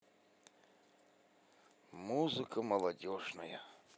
музыка молодежная